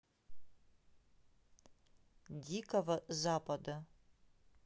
дикого запада